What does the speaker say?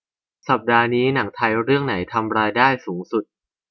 สัปดาห์นี้หนังไทยเรื่องไหนทำรายได้สูงสุด